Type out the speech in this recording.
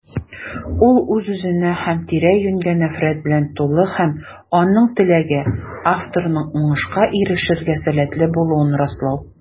Ул үз-үзенә һәм тирә-юньгә нәфрәт белән тулы - һәм аның теләге: авторның уңышка ирешергә сәләтле булуын раслау.